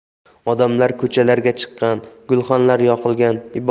odamlar ko'chalarga chiqqan gulxanlar yoqilgan